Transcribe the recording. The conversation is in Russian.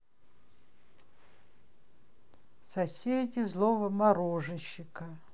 соседи злого мороженщика